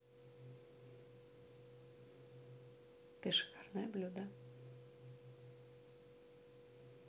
ты шикарное блюдо